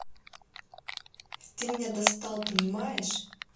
ты меня достал понимаешь